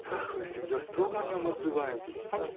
-- Как вы всегда строго о нем отзываетесь!